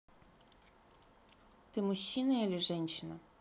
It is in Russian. ты мужчина или женщина